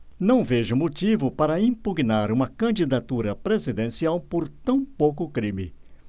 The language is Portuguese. não vejo motivo para impugnar uma candidatura presidencial por tão pouco crime